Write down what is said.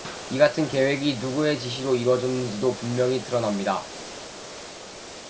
이 같은 계획이 누구의 지시로 이뤄졌는지도 분명히 드러납니다